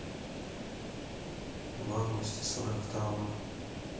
в августе сорок второго